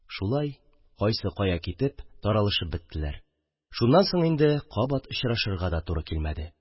Шулай кайсы кая китеп, таралышып беттеләр, шуннан соң инде кабат очрашырга да туры килмәде...